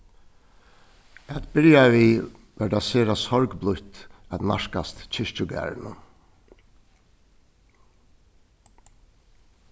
at byrja við var tað sera sorgblítt at nærkast kirkjugarðinum